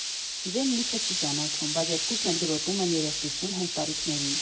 Իրեն Նիքը չի ճանաչում, բայց երկուսն էլ գրոտում են երաժշտություն հենց տանիքներին։